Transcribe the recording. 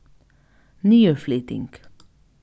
niðurflyting